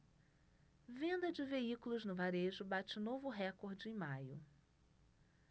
venda de veículos no varejo bate novo recorde em maio